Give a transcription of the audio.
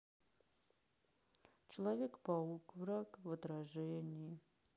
человек паук враг в отражении